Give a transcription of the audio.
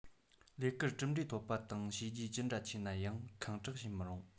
ལས ཀར གྲུབ འབྲས ཐོན པ དང བྱས རྗེས ཅི འདྲ ཆེ ན ཡང ཁེངས དྲེགས བྱེད མི རུང